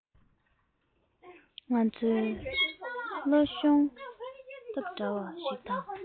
ང ཚོའི བློར ཤོང ཐབས བྲལ བ ཞིག རེད